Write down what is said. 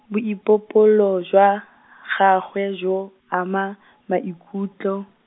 boipobolo jwa, gagwe jwa, ama, maikutlo.